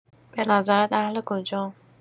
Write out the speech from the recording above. بنظرت اهل کجام؟